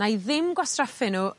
'nai ddim gwastraffu n'w